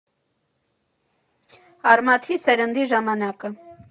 «Արմաթի» սերնդի ժամանակը։